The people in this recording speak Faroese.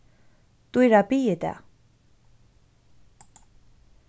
dýra biðidag